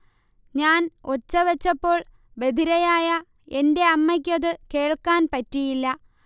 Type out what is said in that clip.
ഞാൻ ഒച്ച വെച്ചപ്പോൾ ബധിരയായ എന്റെ അമ്മയ്ക്കതു കേൾക്കാൻ പറ്റിയില്ല